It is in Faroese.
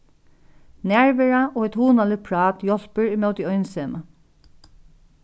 nærvera og eitt hugnaligt prát hjálpir ímóti einsemi